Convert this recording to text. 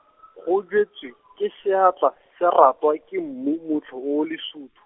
go jwetswe, ke seatla, se ratwa ke mmu motlho o o lesuthu.